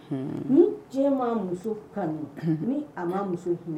Ni diɲɛ ma muso kanu ni a ma muso